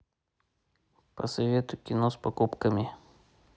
посоветуй кино с покупками